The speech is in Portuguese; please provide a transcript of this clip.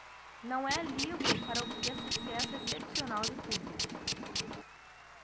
não é livro para obter sucesso excepcional de público